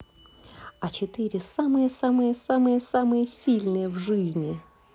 а четыре самые самые самые самые сильные в жизни